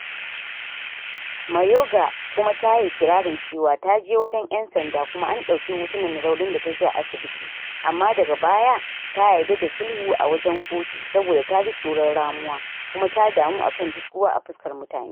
Mayorga kuma tayi ikirari cewa ta je wajen ‘yan sanda kuma an ɗauki hotunan raunin da ta ji a asibit, amma daga baya ta yadda da sulhu a wajen kotu saboda ta ji “tsoron ramuwa” kuma ta damu akan “dizguwa a fuskar mutane.”